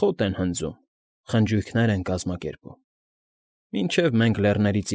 խոտ են հնձում, խնջույքներ են կազմակերպում… Մինչև մենք լեռներից։